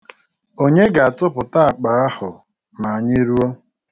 Onye ga-atụpụta akpa ahụ ma anyị ruo?